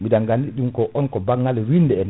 biɗen gandi ɗum ko on ko banggal winnde en